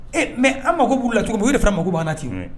Ee mɛ an mako b la cogo o de fana mako ko banna ti